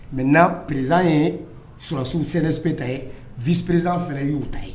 Mɛ n'a perezsan ye sulasiw sɛɛrɛpere ta ye vperezan fɛ y'u ta ye